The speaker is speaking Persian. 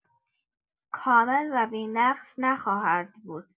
کامل و بی‌نقص نخواهد بود.